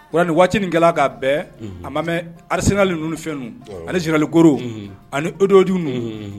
Nin waati gɛlɛ ka bɛn a ma mɛ alisinali ninnu ni fɛnw anisinali kororo ani odoju ninnu